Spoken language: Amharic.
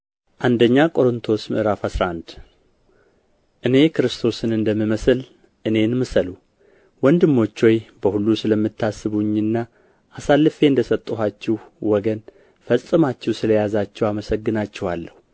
አንደኛ ቆሮንጦስ ምዕራፍ አስራ አንድ እኔ ክርስቶስን እንደምመስል እኔን ምሰሉ ወንድሞች ሆይ በሁሉ ስለምታስቡኝና አሳልፌ እንደ ሰጠኋችሁ ወግን ፈጽማችሁ ስለ ያዛችሁ አመሰግናችኋለሁ